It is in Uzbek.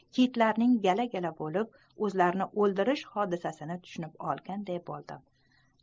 kitlarning gala gala bo'lib o'zlarini o'ldirish hodisasini tushunib olganday bo'ldim